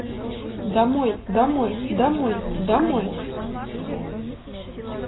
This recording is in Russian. домой домой домой домой